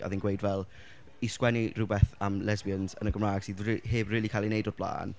A oedd hi'n gweud fel i sgwennu rhywbeth am lesbians yn y Gymraeg sydd r- heb rili cael ei wneud o'r blaen...